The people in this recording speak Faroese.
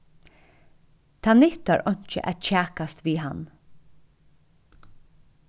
tað nyttar einki at kjakast við hann